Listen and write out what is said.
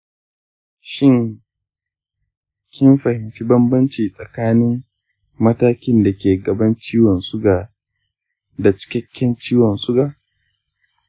shin kin fahimci banbancin tsakanin matakin dake gaban ciwon suga da cikakken ciwon suga?